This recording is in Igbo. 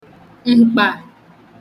m̀kpà